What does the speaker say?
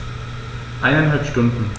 Eineinhalb Stunden